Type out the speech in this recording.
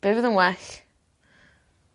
Be' fydd yn well?